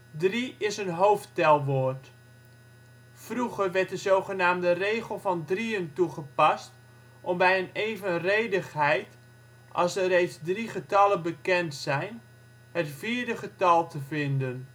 Drie is een hoofdtelwoord. Vroeger werd de zogenaamde regel van drieën toegepast om bij een evenredigheid - als er reeds drie getallen bekend zijn - het vierde getal te vinden